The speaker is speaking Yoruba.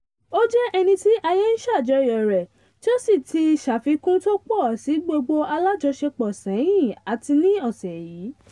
Ó jẹ́ ẹni tí ayé ń ṣàjọyọ̀ rẹ̀ tí ó sì ti ṣàfikún tó pọ̀ sí gbogbo alájọsẹpọ̀ ṣẹ́yìn, àti ní ọ̀ṣẹ̀ yìí.